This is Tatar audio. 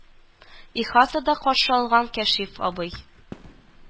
Ихатада каршы алган кәшиф абый